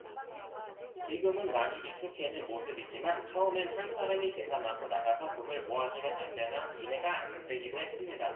지금은 많이 익숙해진 모습이지만 처음엔 한 사람이 계산하고 나가서 돈을 모아주면 안되나 이해가 안되기도 했습니다